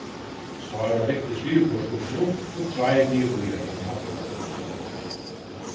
sára rykti skriviborðsskuffuna upp og treiv niðurí eftir einum pappíri